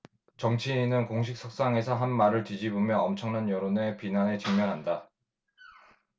정치인은 공식 석상에서 한 말을 뒤집으면 엄청난 여론의 비난에 직면한다